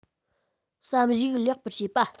བསམ གཞིག ལེགས པར བྱེད པ